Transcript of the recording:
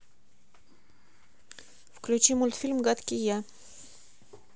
включи мультфильм гадкий я